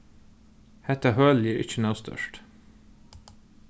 hetta hølið er ikki nóg stórt